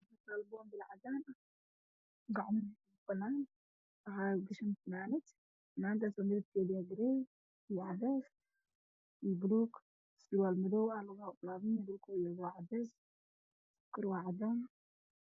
Waa hal boonbalo cadaan ah waxaa kujiro fanaanad midabkeedu uu yahay cadaan iyo garee iyo buluug, surwaal madow ah oo lugaha ulaaban, dhulkana waa cadeys, guriga Waa cadaan.